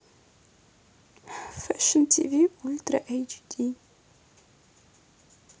фэшн тв ультра эйч ди